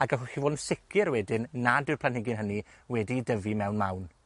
a gallwch chi fod yn sicir wedyn nad yw'r planhigyn hynny wedi'i dyfu mewn mawn.